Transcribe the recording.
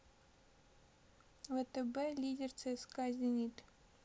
втб лидер цска зенит